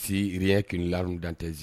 Si k la dantee